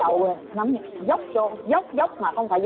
ngấm dốc chồng dốc dốc mà không phải